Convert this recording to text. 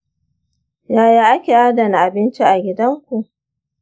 yaya ake adana abinci a gidanku?